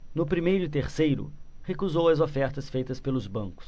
no primeiro e terceiro recusou as ofertas feitas pelos bancos